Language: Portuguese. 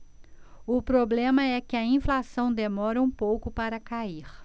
o problema é que a inflação demora um pouco para cair